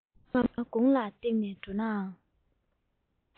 རྔ མ དགུང ལ བཏེགས ནས འགྲོ ནའང